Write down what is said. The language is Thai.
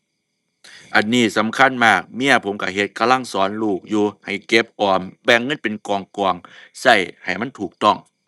อันนี้สำคัญมาก เมียผมก็เฮ็ด กำลังสอนลูกอยู่ ให้เก็บออม แบ่งเงินเป็นกองกอง ก็ให้มันถูกต้อง